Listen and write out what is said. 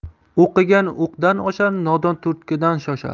o'qigan o'qdan oshar nodon turtkidan shoshar